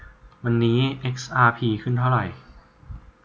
วันนี้เอ็กอาร์พีขึ้นเท่าไหร่